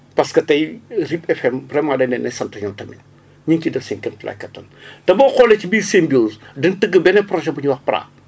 parce tey RIP FM vraiment dañ leen di sant ñoom tamit ñu ngi ciy def seen kéemtalaay kattan te boo xoolee ci biir symbiose dem tëgg beneen projet bu ñuy wax PRAA